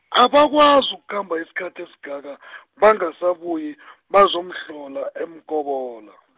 abakwazi ukukhamba isikhathi esingaka , bangasabuyi , bazomhlola la eMkobola.